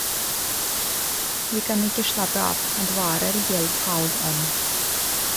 Vi kan ikke slappe av , advarer Hjelmhaug om.